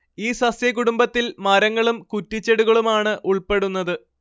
ഈ സസ്യകുടുംബത്തിൽ മരങ്ങളും കുറ്റിച്ചെടികളുമാണ് ഉൾപ്പെടുന്നത്